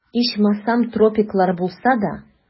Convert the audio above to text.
Ичмасам, тропиклар булса да...